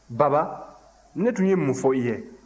baba ne tun ye mun fɔ i ye